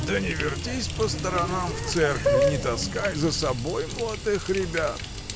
— Да не вертись по сторонам в церкви, не таскай за собой молодых ребят.